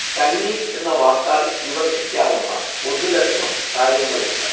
കന്നി എന്ന വാക്കാല്‍ വിവക്ഷിക്കാവുന്ന ഒന്നിലധികം കാര്യങ്ങളുണ്ട്